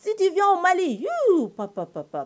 Si tu viens au Mali yu